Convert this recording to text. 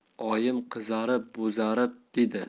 oyim qizarib bo'zarib